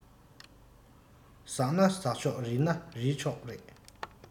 ཟག ན ཟག ཆོག རིལ ན རིལ ཆོག རེད